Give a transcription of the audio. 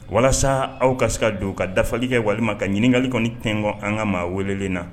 Walasa aw ka se ka don ka dafalikɛ walima ka ɲininkakali kɔni ntɲɔgɔn an ka maa welelen na